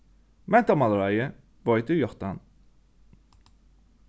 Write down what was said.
mentamálaráðið veitir játtan